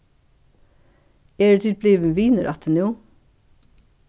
eru tit blivin vinir aftur nú